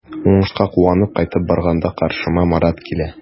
Уңышка куанып кайтып барганда каршыма Марат килә.